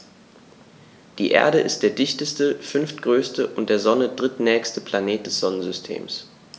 Die Erde ist der dichteste, fünftgrößte und der Sonne drittnächste Planet des Sonnensystems.